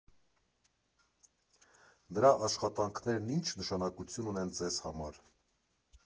Նրա աշխատանքներն ի՞նչ նշանակություն ունեն Ձեզ համար։